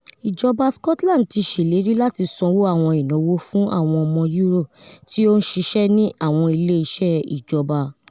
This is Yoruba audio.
Ìjọba Scotland ti ṣèlérí láti sanwó àwọn ìnáwó fún àwọn ọmọ EU tí ó ń ṣiṣẹ́ ní àwọn ilé iṣẹ́ ìjọba.